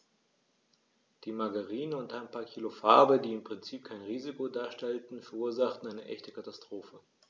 Die Margarine und ein paar Kilo Farbe, die im Prinzip kein Risiko darstellten, verursachten eine echte Katastrophe.